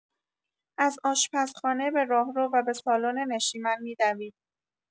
از آشپزخانه به راهرو و به سالن نشیمن می‌دوید.